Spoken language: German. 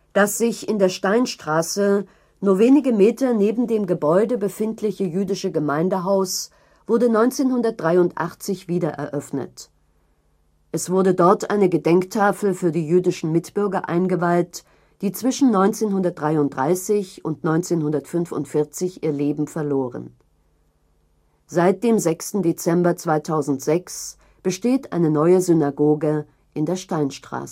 Das sich in der Steinstraße, nur wenige Meter neben dem Gebäude, befindliche jüdische Gemeindehaus wurde 1983 wiedereröffnet. Es wurde dort eine Gedenktafel für die jüdischen Mitbürger eingeweiht, die zwischen 1933 und 1945 ihr Leben verloren. Seit dem 6. Dezember 2006 besteht eine neue Synagoge in der Steinstraße